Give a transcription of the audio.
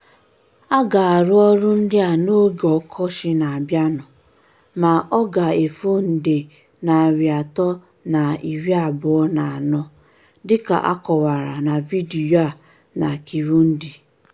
A ga-arụ ọrụ ndị a n'oge ọkọchị na-abịanụ ma ọ ga-efu nde $324, dịka a kọwara na vidiyo a na Kirundi.